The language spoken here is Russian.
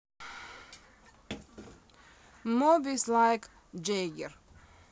moves like jagger